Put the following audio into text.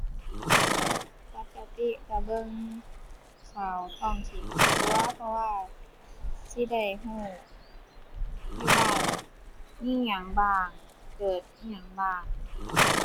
ปกติก็เบิ่งข่าวท้องถิ่นซั้นตั่ว เพราะว่าสิได้ก็อยู่บ้านมีหยังบ้าง เกิดอิหยังบ้าง